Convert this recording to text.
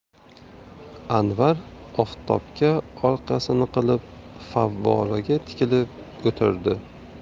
anvar oftobga orqasini qilib favvoraga tikilib o'tirdi